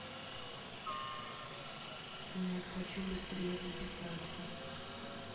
нет хочу побыстрее записаться